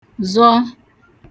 zọ